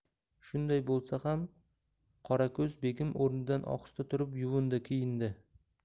shunday bo'lsa ham qorako'z begim o'rnidan ohista turib yuvindi kiyindi